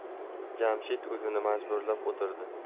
jamshid o'zini majburlab o'tirdi